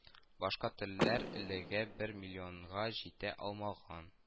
Башка телләр әлегә бер миллионга җитә алмаган